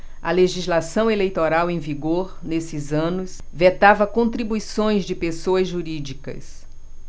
a legislação eleitoral em vigor nesses anos vetava contribuições de pessoas jurídicas